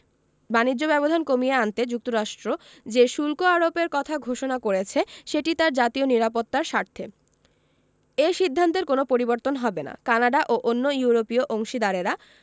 বাণিজ্য ব্যবধান কমিয়ে আনতে যুক্তরাষ্ট্র যে শুল্ক আরোপের কথা ঘোষণা করেছে সেটি তার জাতীয় নিরাপত্তার স্বার্থে এ সিদ্ধান্তের কোনো পরিবর্তন হবে না কানাডা ও অন্য ইউরোপীয় অংশীদারেরা